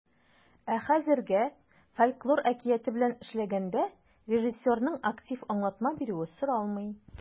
Ә хәзергә фольклор әкияте белән эшләгәндә режиссерның актив аңлатма бирүе соралмый.